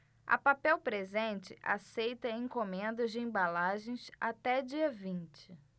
a papel presente aceita encomendas de embalagens até dia vinte